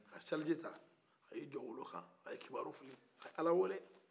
a ye selijita a ye a jo wolo kan a ye kibaro fili a ye ala wele